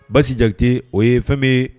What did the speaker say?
Basi Jakite o ye fɛn min ye